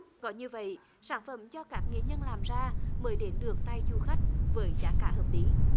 có như vậy sản phẩm cho các nghệ nhân làm ra mới đến được tay du khách với giá cả hợp lý